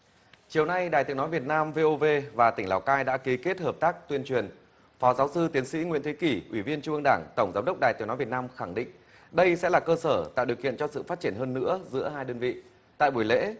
chiều nay đài tiếng nói việt nam vê ô vê và tỉnh lào cai đã ký kết hợp tác tuyên truyền phó giáo sư tiến sĩ nguyễn thế kỷ ủy viên trung ương đảng tổng giám đốc đài tiếng nói việt nam khẳng định đây sẽ là cơ sở tạo điều kiện cho sự phát triển hơn nữa giữa hai đơn vị tại buổi lễ